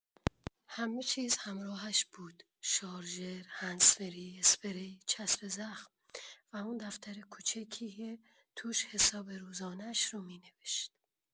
همه چیز همراهش بود؛ شارژر، هندزفری، اسپری، چسب زخم، و اون دفتر کوچیکی که توش حساب روزانه‌اش رو می‌نوشت.